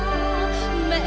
lên